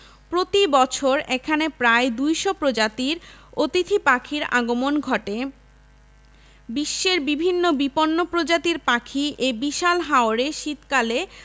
প্রতি বছর এখানে প্রায় ২০০ প্রজাতির অতিথি পাখির আগমন ঘটে বিশ্বের বিভিন্ন বিপন্ন প্রজাতির পাখি এ বিশাল হাওরে শীতকালে